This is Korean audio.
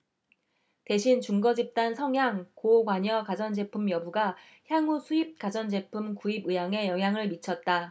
대신 준거집단 성향 고관여가전제품 여부가 향후수입 가전제품 구입 의향에 영향을 미쳤다